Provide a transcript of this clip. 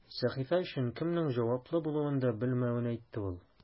Сәхифә өчен кемнең җаваплы булуын да белмәвен әйтте ул.